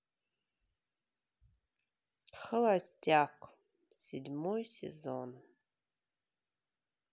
холостяк седьмой сезон